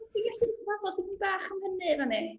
Wyt ti'n gallu trafod tipyn bach am hynny efo ni?